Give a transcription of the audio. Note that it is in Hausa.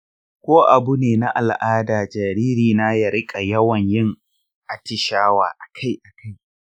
ko abu ne na al'ada jaririna ya rika yawan yin atishawa akai-akai?